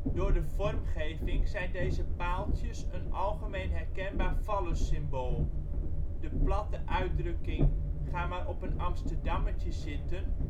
Door de vormgeving zijn deze paaltjes een algemeen herkenbaar fallussymbool. De platte uitdrukking " Ga maar op een amsterdammertje zitten